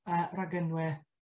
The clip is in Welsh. yy ragenwe